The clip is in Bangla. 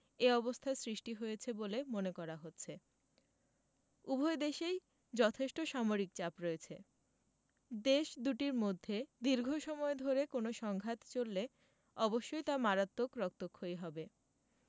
এ অবস্থার সৃষ্টি হয়েছে বলে মনে করা হচ্ছে উভয় দেশেই যথেষ্ট সামরিক চাপ রয়েছে দেশ দুটির মধ্যে দীর্ঘ সময় ধরে কোনো সংঘাত চললে অবশ্যই তা মারাত্মক রক্তক্ষয়ী হবে